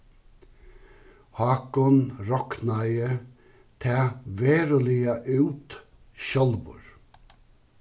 hákun roknaði tað veruliga út sjálvur